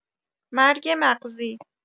مرگ مغزی